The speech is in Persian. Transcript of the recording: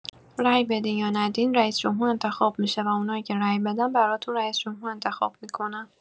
رای بدین یا ندین رییس‌جمهور انتخاب می‌شه و اونایی که رای بدن براتون رئیس‌جمهور انتخاب می‌کنن.